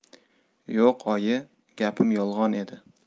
yo'q oyi gapim yolg'on edi